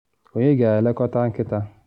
Onye ga-elekọta nkịta?